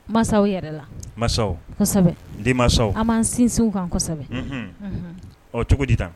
Masaw yɛrɛ la masaw den mansa an ma sinsin kansɛbɛ ɔ cogo di tan